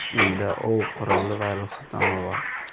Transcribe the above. menda ov quroli va ruxsatnoma bor